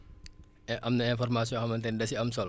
et am na information yoo xamante ne da si am solo